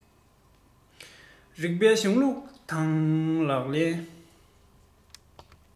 རིགས པའི གཞུང ལུགས དང ལག ལེན